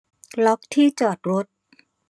ล็อคที่จอดรถ